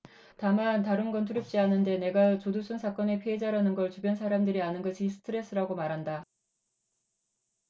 다만 다른 건 두렵지 않은데 내가 조두순 사건의 피해자라는 걸 주변 사람들이 아는 것이 스트레스라고 말한다